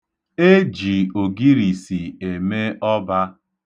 E ji ogirisi eme ọba.